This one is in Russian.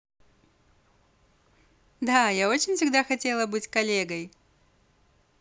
да я очень всегда хотела быть коллегой